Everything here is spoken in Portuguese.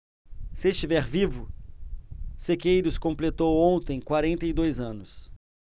se estiver vivo sequeiros completou ontem quarenta e dois anos